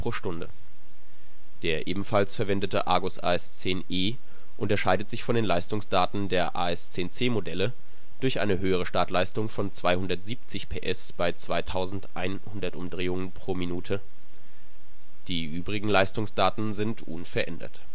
Liter/Stunde. Der ebenfalls verwendete Argus As 10 E unterscheidet sich von den Leistungsdaten der As 10 C Modelle durch eine höhere Startleistung von 270 PS bei 2100 U/Min (1 Minute). Die übrigen Leistungsdaten sind unverändert